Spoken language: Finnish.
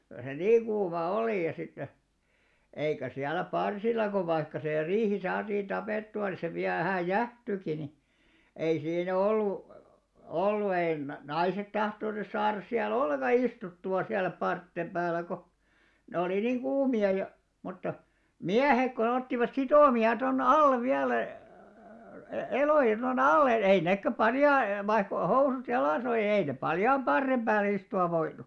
kyllä se niin kuuma oli ja sitten eikä siellä parsilla kun vaikka se riihi saatiin tapettua niin se vielä vähän jäähtyikin niin ei siinä ollut ollut ei - naiset tahtonut saada siellä ollenkaan istuttua siellä parsien päällä kun ne oli niin kuumia ja mutta miehet kun ottivat sitomia tuonne alle vielä - eloja tuonne alle ei nekään - vaikka oli housut jalassa oli niin ei ne paljaan parren päälle istua voinut